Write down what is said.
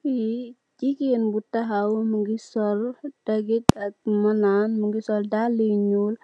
Fii jigeen bu tahaw, mingi sol doggit ak malaan, mingi sol dalle yu nyuul,